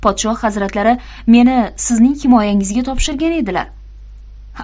podshoh hazratlari meni sizning himoyangizga topshirgan edilar